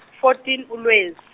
fourteen uLwezi.